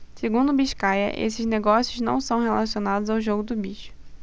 segundo biscaia esses negócios não são relacionados ao jogo do bicho